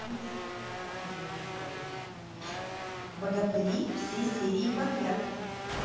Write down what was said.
богатыри все серии подряд